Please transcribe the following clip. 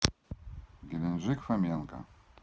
геленджик фоменко